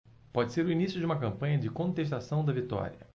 pode ser o início de uma campanha de contestação da vitória